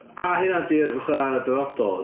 A hynna 'di'r fatha dyfodol?